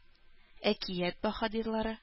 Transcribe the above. Әкият баһадирлары